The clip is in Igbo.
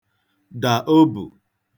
dà obù